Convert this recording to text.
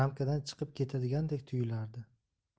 ramkadan chiqib ketadigandek tuyulardi